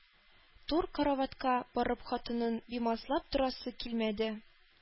Түр караватка барып хатынын бимазалап торасы килмәде.